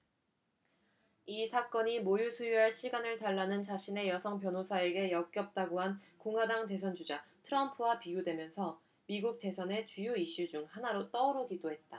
이 사건이 모유 수유할 시간을 달라는 자신의 여성 변호사에게 역겹다고 한 공화당 대선 주자 트럼프와 비교되면서 미국 대선의 주요 이슈 중 하나로 떠오르기도 했다